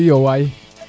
iyo waay